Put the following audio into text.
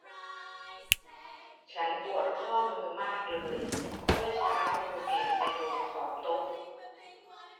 ฉันปวดข้อมือมากเลยเมื่อเช้ามือเหวี่ยงไปโดนขอบโต๊ะ